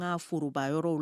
An ka foroba yɔrɔ